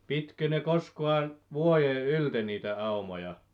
pitikö ne koskaan vuoden yli niitä aumoja